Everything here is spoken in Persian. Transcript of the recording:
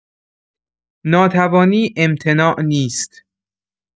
ناتوانی امتناع نیست.